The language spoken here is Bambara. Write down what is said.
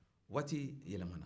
waati yɛlɛma na